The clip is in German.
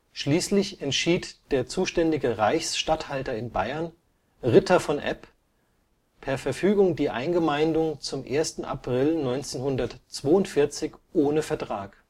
Schließlich entschied der zuständige Reichsstatthalter in Bayern, Ritter von Epp, per Verfügung die Eingemeindung zum 1. April 1942 ohne Vertrag